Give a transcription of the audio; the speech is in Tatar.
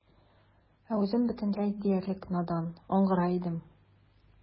Ә үзем бөтенләй диярлек надан, аңгыра идем.